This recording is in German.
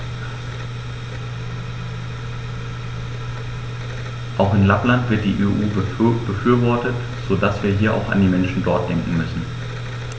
Auch in Lappland wird die EU befürwortet, so dass wir hier auch an die Menschen dort denken müssen.